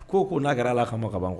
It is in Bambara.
Ko o ko n'a kɛra Ala kama kaban quoi